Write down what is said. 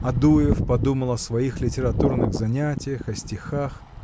Адуев подумал о своих литературных занятиях, о стихах.